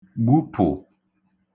gbupụ̀